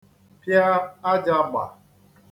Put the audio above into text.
pịa ajàgbà